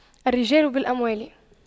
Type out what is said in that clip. الرجال بالأموال